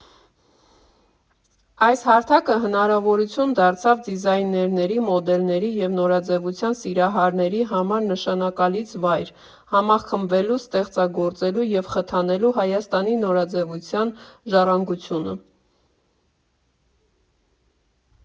Այս հարթակը հնարավորություն դարձավ դիզայներների, մոդելների և նորաձևության սիրահարների համար նշանակալից վայր՝ համախմբվելու, ստեղծագործելու և խթանելու Հայաստանի նորաձևության ժառանգությունը։